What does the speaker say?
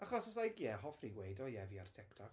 Achos, it's like, ie hoffwn i gweud o ie fi ar TikTok...